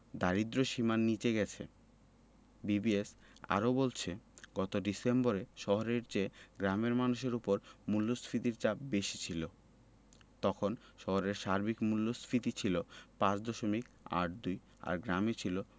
দারিদ্র্যসীমার নিচে গেছে বিবিএস আরও বলছে গত ডিসেম্বরে শহরের চেয়ে গ্রামের মানুষের ওপর মূল্যস্ফীতির চাপ বেশি ছিল তখন শহরে সার্বিক মূল্যস্ফীতি ছিল ৫ দশমিক ৮২ আর গ্রামে ছিল